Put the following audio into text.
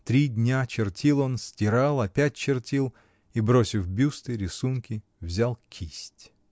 Три дня чертил он, стирал, опять чертил и, бросив бюсты, рисунки, взял кисть.